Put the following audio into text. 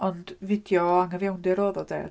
Ond fideo o anghyfiawnder oedd o de?